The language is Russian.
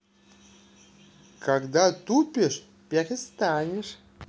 когда тупить перестанешь